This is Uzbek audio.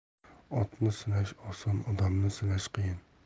otni sinash oson odamni sinash qiyin